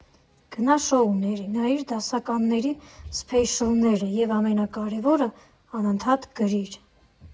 Գնա շոուների, նայիր դասականների սփեշլները ու ամենակարևորը՝ անընդհատ գրիր։